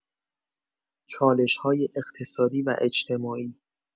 چالش‌های اقتصادی و اجتماعی